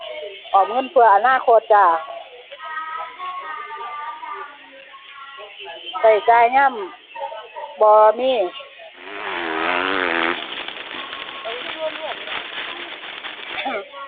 ออมเงินเพื่ออนาคตจ้า ใช้จ่ายยามบ่มี